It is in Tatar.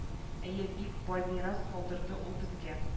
Әйе бик бай мирас калдырды ул безгә